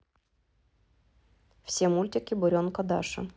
все мультики буренка даша